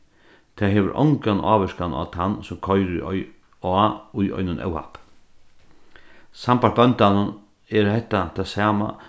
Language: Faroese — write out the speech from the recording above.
tað hevur ongan ávirkan á tann sum koyrir á í einum óhappi sambært bóndanum er hetta tað sama